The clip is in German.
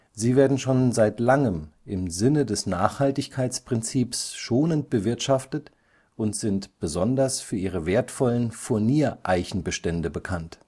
Sie werden schon seit langem im Sinne des Nachhaltigkeitsprinzips schonend bewirtschaftet und sind besonders für ihre wertvollen Furniereichenbestände bekannt